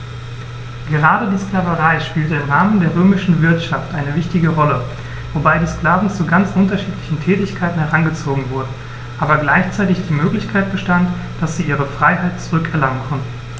Gerade die Sklaverei spielte im Rahmen der römischen Wirtschaft eine wichtige Rolle, wobei die Sklaven zu ganz unterschiedlichen Tätigkeiten herangezogen wurden, aber gleichzeitig die Möglichkeit bestand, dass sie ihre Freiheit zurück erlangen konnten.